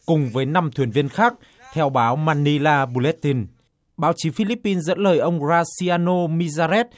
cùng với năm thuyền viên khác theo báo man ni la bu lét tìn báo chí phi líp pin dẫn lời ông ga si a nô mi ra rét